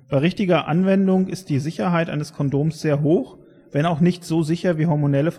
richtiger Anwendung ist die Sicherheit eines Kondoms sehr hoch, wenn auch nicht so sicher wie hormonelle